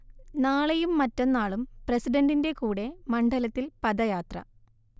നാളെയും മറ്റന്നാളും പ്രസിഡന്റിന്റെ കൂടെ മണ്ഡലത്തിൽ പദയാത്ര